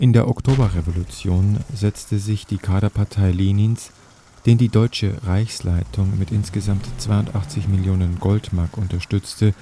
der Oktoberrevolution setzte sich die Kaderpartei Lenins, den die deutsche Reichsleitung mit insgesamt 82 Millionen Goldmark unterstützte